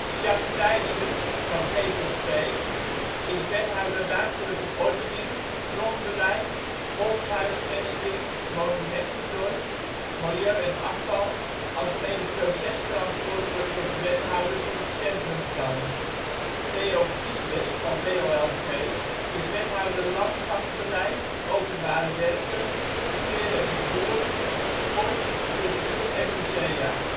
Sjaak Thijssen (GVP) is wethouder Ruimtelijke Ordening, Grondbeleid, Volkshuisvesting, Monumentenzorg, Milieu en afval alsmede procesverantwoordelijke wethouder voor het Centrumplan. Theo Giesbers (VOLG) is wethouder Landschapsbeleid, Openbare Werken, Verkeer en vervoer, Sport, Cultuur en musea